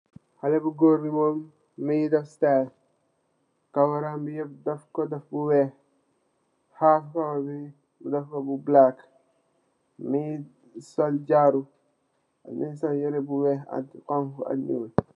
Halle bu goor bi moom, mingi def style, kawaram bi yep daf ko daf bu weeh, haaf bopa bi mu daf ko bu balaak, mingi sol jaaru, mingi sol yereh bu weeh ak bu xonxu.